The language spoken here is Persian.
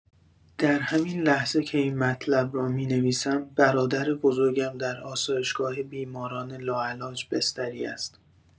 در همین لحظه که این مطلب را می‌نویسم، برادر بزرگم در آسایشگاه بیماران لاعلاج بستری است.